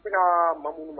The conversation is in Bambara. Tɛna ka mag ma